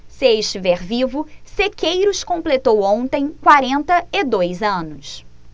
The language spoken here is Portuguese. se estiver vivo sequeiros completou ontem quarenta e dois anos